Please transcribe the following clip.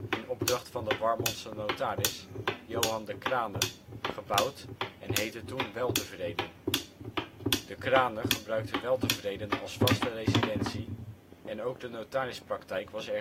in opdracht van de Warmondse notaris Johan de Crane gebouwd en heette toen Weltevreden. De Crane gebruikte Weltevreden als vaste residentie en ook de notarispraktijk was